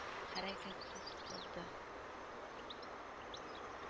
Хәрәкәтсез калды